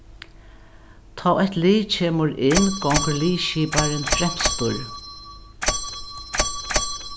tá eitt lið kemur inn gongur liðskiparin fremstur